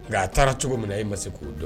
Nka a taara cogo min na e ma se k'o dɔn.